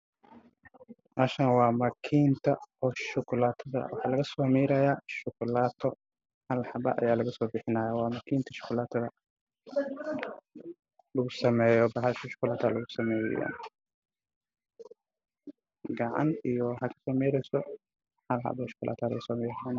Waa qalabka laga shubtay shaaha ama cafeega oo midabkoodu yahay madow iyo pinki